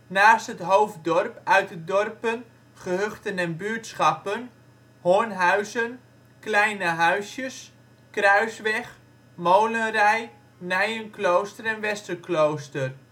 naast het hoofddorp uit de dorpen, gehuchten en buurtschappen: Hornhuizen, Kleine Huisjes, Kruisweg, Molenrij, Nijenklooster en Westerklooster